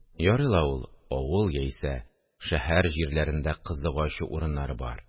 – ярый ла ул авыл яисә шәһәр җирләрендә кызык ачу урыннары бар